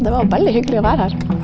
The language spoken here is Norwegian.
det var veldig hyggelig å være her.